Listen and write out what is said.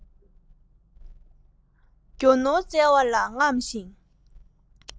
རྒྱུ ནོར བཙལ བ ལ རྔམ ཞིང